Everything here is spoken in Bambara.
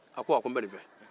a ko awɔ ko n'bɛ nin fɛ